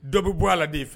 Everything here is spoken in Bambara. Dɔ bɛ bɔ ala de